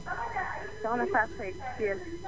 Soxna Fatou Seydi Kell